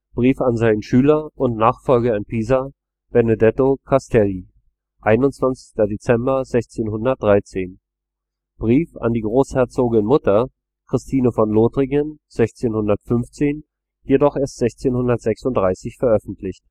Brief an seinen Schüler und Nachfolger in Pisa, Benedetto Castelli, 21. Dezember 1613; Brief an die Großherzogin-Mutter Christine von Lothringen, 1615, jedoch erst 1636 veröffentlicht